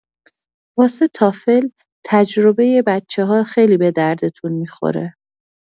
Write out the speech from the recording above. واسه تافل تجربه بچه‌ها خیلی به دردتون می‌خوره.